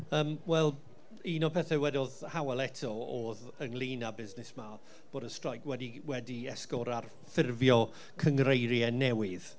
yym wel un o pethau wedodd Hywel eto oedd ynglyn â busnes 'ma bod y streic wedi wedi esgor ar ffurfio cynghreiriau newydd.